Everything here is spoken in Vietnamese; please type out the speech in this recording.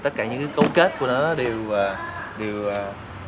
tất cả những câu kết của nó đều đều